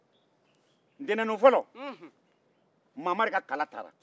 ntɛnɛn don fɔlɔ mamari ka kala tara